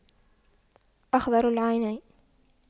أخضر العينين